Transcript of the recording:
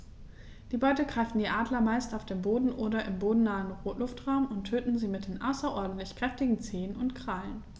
Die Beute greifen die Adler meist auf dem Boden oder im bodennahen Luftraum und töten sie mit den außerordentlich kräftigen Zehen und Krallen.